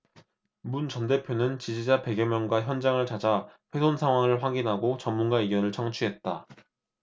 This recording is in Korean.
문 전 대표는 지지자 백 여명과 현장을 찾아 훼손 상황을 확인하고 전문가 의견을 청취했다